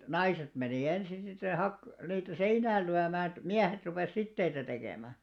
naiset meni ensin sitten se - niitä seinään lyömään että miehet rupesi siteitä tekemään